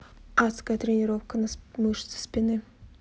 адская тренировка на мышцы спины